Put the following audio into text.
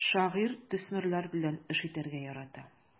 Шагыйрь төсмерләр белән эш итәргә ярата.